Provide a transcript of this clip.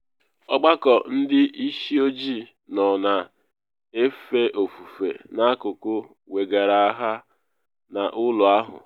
Ọgbakọ ndị isii ojii nọ na efe ofufe n’akụkụ wegara aha n’ụlọ ahụ.